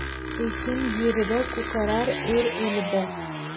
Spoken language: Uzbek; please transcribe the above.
ekin yerida ko'karar er elida